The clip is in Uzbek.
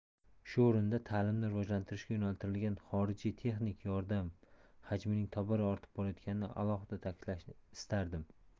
shu o'rinda ta'limni rivojlantirishga yo'naltirilgan xorijiy texnik yordam hajmining tobora ortib borayotganini alohida ta'kidlashni istardim